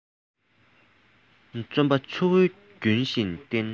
བརྩོན པ ཆུ བོའི རྒྱུན བཞིན བསྟེན